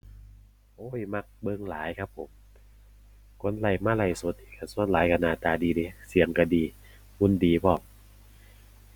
โอ้ย มักเบิ่งหลายครับผม คนไลฟ์มาไลฟ์สด ก็ส่วนหลายก็หน้าตาดีเดะ เสียงก็ดี หุ่นดีพร้อม